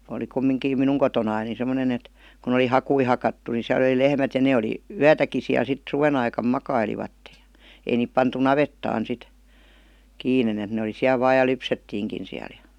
oli kumminkin minun kotonani niin semmoinen että kun oli hakuja hakattu niin siellä oli lehmät ja ne oli yötäkin siellä sitten suven aikana makailivat ja ei niitä pantu navettaan sitten kiinni että ne oli siellä vain ja lypsettiinkin siellä ja